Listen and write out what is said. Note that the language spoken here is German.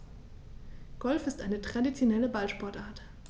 Golf ist eine traditionelle Ballsportart.